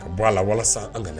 Ka bɔ la walasa ka